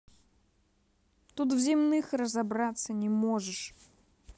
тут в земных разобраться не можешь